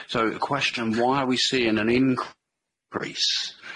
So the question why are we seeing an increase?